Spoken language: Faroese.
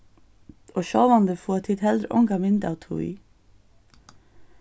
og sjálvandi fáa tit heldur onga mynd av tí